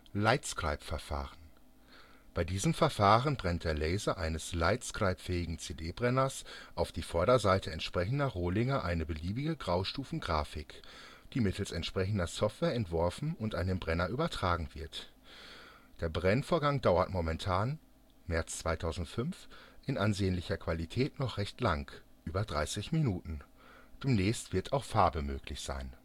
Lightscribe-Verfahren: Bei diesem Verfahren brennt der Laser eines Lightscribe-fähigen CD-Brenners auf die Vorderseite entsprechender Rohlinge eine beliebige Graustufengrafik, die mittels entsprechender Software entworfen und an den Brenner übertragen wird. Der Brennvorgang dauert momentan (März 2005) in ansehnlicher Qualität noch recht lang (über 30 Minuten). Demnächst wird auch Farbe möglich sein